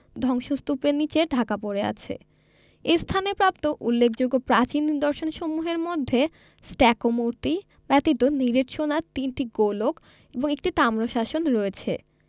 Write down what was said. ধ্বংস্তূপের নিচে ঢাকা পড়ে আছে এ স্থানে প্রাপ্ত উল্লেখযোগ্য প্রাচীন নিদর্শনসমূহের মধ্যে স্টাকো মূর্তি ব্যতীত নিরেট সোনার তিনটি গোলক এবং একটি তাম্রশাসন রয়েছে